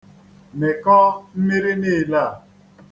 Mịkọọ mmiri niile a